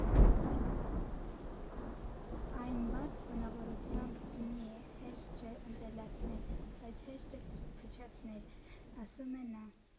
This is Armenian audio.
Այն բարդ բնավորությամբ գինի է, հեշտ չէ ընտելացնել, բայց հեշտ է փչացնել»,֊ ասում է նա։